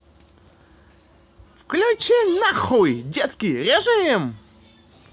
включи нахуй детский режим